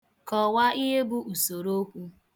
Kọwaa ihe bụ usorookwu.